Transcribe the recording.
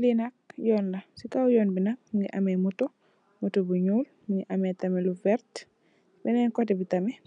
Li nak yoon la, ci kaw yoon bi nak mungi ameh moto, moto bo ñuul mungi ameh tamit lu vert. Benn kotè bi tamit